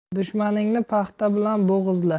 dushmaningni paxta bilan bo'g'izla